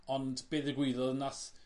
ond be ddigwyddodd nath